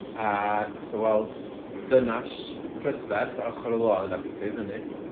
a nath o weld dynas prydferth ar ochr y lôn a pigo hi fyny